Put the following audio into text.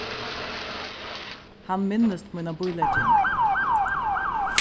hann minnist mína bílegging